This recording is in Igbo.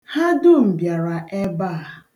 Ha dum bịara ebe a.